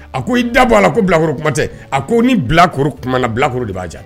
A ko i dabɔ a la ko bilakoro kuma tɛ , a ko ni bilakoro kuma na , bilakoro de b'a jaabi.